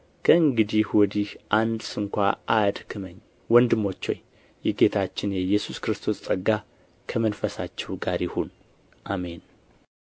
ከእንግዲህ ወዲህ አንድ ስንኳ አያድክመኝ ወንድሞች ሆይ የጌታችን የኢየሱስ ክርስቶስ ጸጋ ከመንፈሳችሁ ጋር ይሁን አሜን